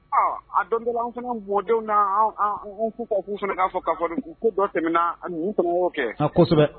A don dɔ la an fana mɔdenw nan fufafuw fana ka fɔ ka fɔ ko don dɔ tɛmɛna nunun yo kɛ kosɛbɛ.